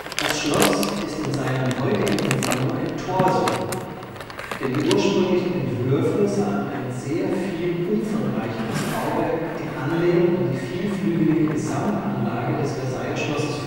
Das Schloss ist in seinem heutigen Umfang nur ein Torso, denn die ursprünglichen Entwürfe sahen ein sehr viel umfangreicheres Bauwerk in Anlehnung an die vielflügelige Gesamtanlage des Versailler Schlosses